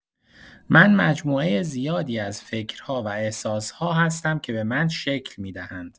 من مجموعه زیادی از فکرها و احساس‌ها هستم که به من شکل می‌دهند.